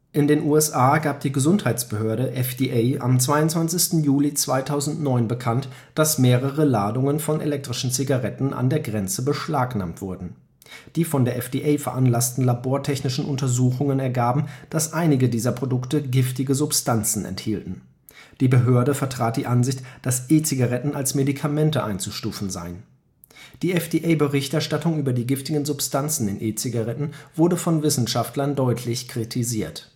In den USA gab die Gesundheitsbehörde FDA am 22. Juli 2009 bekannt, dass mehrere Ladungen von elektrischen Zigaretten an der Grenze beschlagnahmt wurden. Die von der FDA veranlassten labortechnischen Untersuchungen ergaben, dass einige dieser Produkte giftige Substanzen enthielten. Die Behörde vertrat die Ansicht, dass E-Zigaretten als Medikamente einzustufen seien. Die FDA-Berichterstattung über die giftigen Substanzen in den E-Zigaretten wurde von Wissenschaftlern deutlich kritisiert